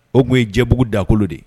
O kun ye jɛbugu dakulu de ye